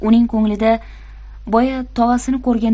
uning ko'nglida boya tog'asini ko'rganda